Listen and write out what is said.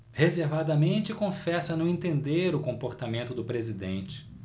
reservadamente confessa não entender o comportamento do presidente